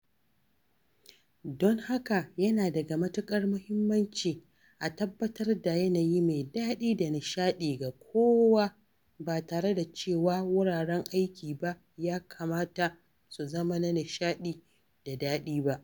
Don haka, yana da matuƙar mahimmanci a tabbatar da yanayi mai daɗi da nishadi ga kowa (ba tare da cewa wuraren aiki ba ya kamata su zama na nishaɗi da daɗi ba).